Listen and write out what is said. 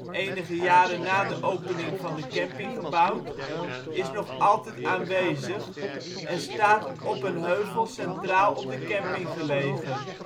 enige jaren na de opening van de camping gebouwd) is nog altijd aanwezig en staat op een heuvel centraal op de camping gelegen